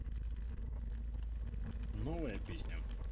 новая песня